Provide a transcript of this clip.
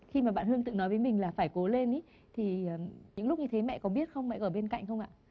khi mà bạn hương tự nói với mình là phải cố lên ấy thì ờ những lúc như thế mẹ có biết không mẹ ở bên cạnh không ạ